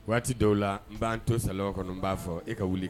Waati dɔw la n b'an to salɔn kɔnɔ nb'a fɔ e ka wuli